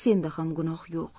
senda ham gunoh yo'q